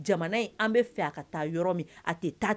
Jamana fɛ taa yɔrɔ